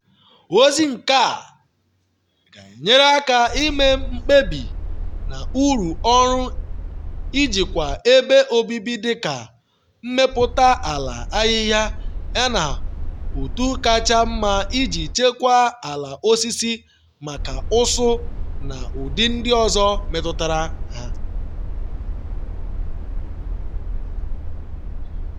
Ozi nke a ga-enyere aka ime mkpebi n’uru ọrụ njikwa ebe obibi dị ka mmepụta ala ahịhịa yana otu kacha mma iji chekwaa ala osisi maka ụsụ na ụdị ndị ọzọ metụtara ha.